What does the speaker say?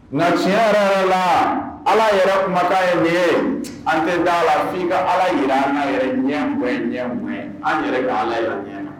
Ŋa tiɲɛ yɛrɛ-yɛrɛ laa Ala yɛrɛ kumakan ye nin ye an tɛ d'a la f'i ka Ala yir'an na ɛ ɲɛ nguwɛ ɲɛ ŋuwɛ an yɛrɛ ka Ala ye o ɲɛ na